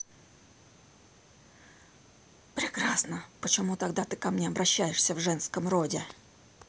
прекрасно почему тогда ты ко мне обращаешься в женском роде